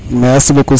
merci beaucoup